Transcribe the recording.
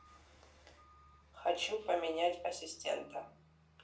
хочу поменять ассистента